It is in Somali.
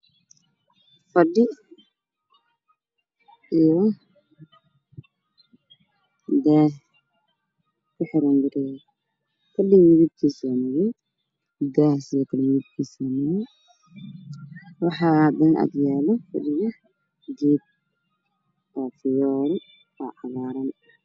Fadhi iyo daah, fadhigu waa madow, daaha waa madow waxaa agyaalo geed oo fiyool iyo cagaar ah.